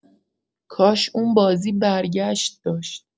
کاش اون بازی برگشت داشت